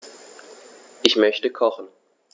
Ich möchte kochen.